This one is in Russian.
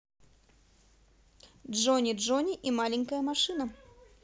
джони джони и маленькая машина